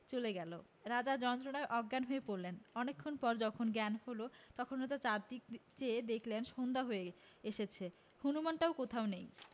চলে গেল রাজা যন্ত্রনায় অজ্ঞান হয়ে পড়লেন অনেকক্ষণ পরে যখন জ্ঞান হল তখন রাজা চারদিক চেয়ে দেখলেন সন্ধ্যা হয়ে এসেছে হুনুমানটা কোথাও নেই